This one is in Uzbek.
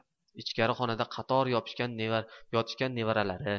ichkari xonada qator yotishgan nevaralari